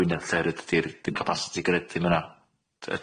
Gwynedd lle ydi'r ydi'r capacity ddim yna?